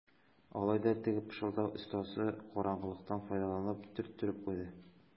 Алай да теге пышылдау остасы караңгылыктан файдаланып төрттереп куйды.